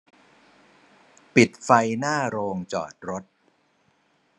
ปิดไฟหน้าโรงจอดรถ